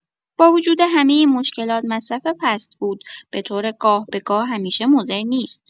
با وجود همه این مشکلات، مصرف فست‌فود به‌طور گاه‌به‌گاه همیشه مضر نیست.